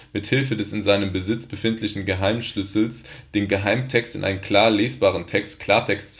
mithilfe des in seinem Besitz befindlichen (geheimen) Schlüssels, den Geheimtext in einen klar lesbaren Text (Klartext